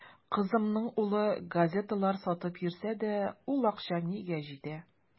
Кызымның улы газеталар сатып йөрсә дә, ул акча нигә җитә.